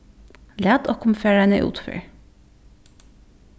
lat okkum fara eina útferð